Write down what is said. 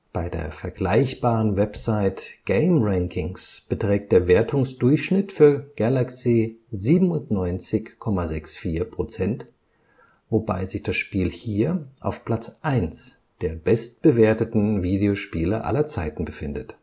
Bei der vergleichbaren Website GameRankings beträgt der Wertungsdurchschnitt für Galaxy 97,64 %, womit sich das Spiel hier auf Platz 1 der bestbewerteten Videospiele aller Zeiten befindet